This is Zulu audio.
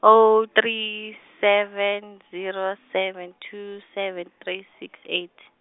oh three, seven, zero seven, two seven three six eight.